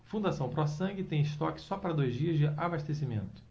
fundação pró sangue tem estoque só para dois dias de abastecimento